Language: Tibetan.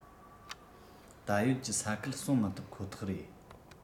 ད ཡོད ཀྱི ས ཁུལ སྲུང མི ཐུབ ཁོ ཐག རེད